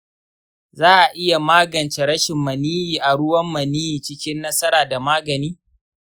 za a iya magance rashin maniyyi a ruwan maniyyi cikin nasara da magani?